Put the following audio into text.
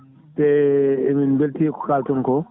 te emin belti ko kaalton ko